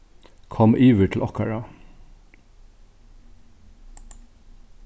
kom yvir til okkara